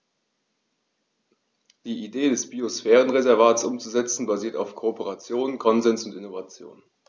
Die Idee des Biosphärenreservates umzusetzen, basiert auf Kooperation, Konsens und Innovation.